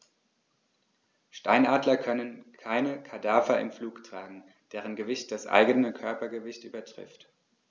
Steinadler können keine Kadaver im Flug tragen, deren Gewicht das eigene Körpergewicht übertrifft.